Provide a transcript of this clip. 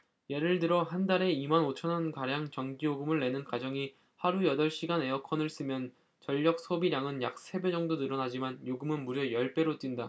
예를 들어 한 달에 이 만 오천 원가량 전기요금을 내는 가정이 하루 여덟 시간 에어컨을 쓰면 전력 소비량은 약 세 배 정도 늘어나지만 요금은 무려 열 배로 뛴다